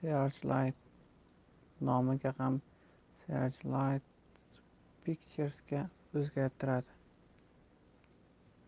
searchlight nomini ham searchlight pictures'ga o'zgartiradi